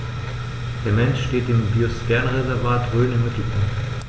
Der Mensch steht im Biosphärenreservat Rhön im Mittelpunkt.